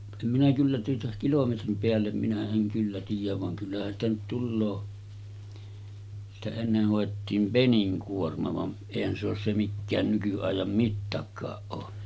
en minä kyllä tuota kilometrin päälle minä en kyllä tiedä vaan kyllähän sitä nyt tulee sitä ennen hoettiin peninkuorma vaan eihän se ole se mikään nykyajan mittakaan ole